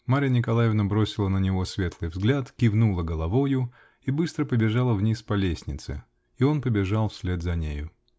Марья Николаевна бросила на него светлый взгляд, кивнула головою и быстро побежала вниз по лестнице. И он побежал вслед за нею.